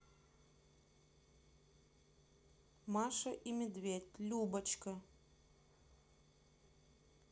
маша и медведь любочка